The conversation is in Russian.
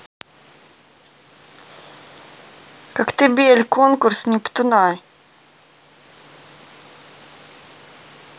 коктебель конкурс нептуна